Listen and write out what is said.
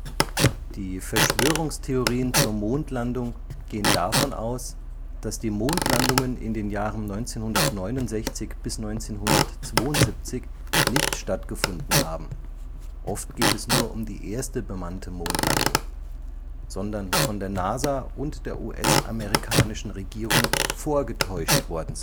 Die Verschwörungstheorien zur Mondlandung gehen davon aus, dass die Mondlandungen in den Jahren 1969 bis 1972 nicht stattgefunden haben (oft geht es nur um die erste bemannte Mondlandung), sondern von der NASA und der US-amerikanischen Regierung vorgetäuscht worden